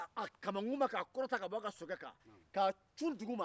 ka sɔrɔ i ba ma cogo min do i la sisan denmasaw tɛ den bilasirala